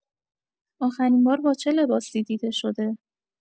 آخرین‌بار با چه لباسی دیده شده؟